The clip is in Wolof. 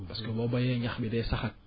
parce que boo bayee ñax bi day saxaat